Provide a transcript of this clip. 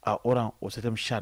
A o wa sere sari